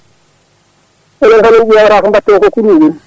enen kam en ƴewata ko batten ko ko ɗum woni